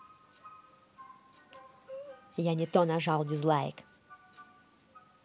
я не то нажал дизлайк